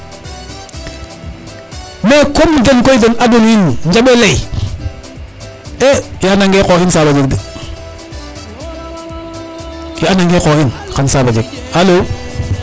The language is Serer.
mais comme den koy den adwanu in njambe ley i anda ge qox in sababa jeg de i anda ge qox in xan sababa jeg alo